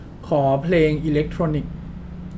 ขอเพลงอิเลกโทรนิค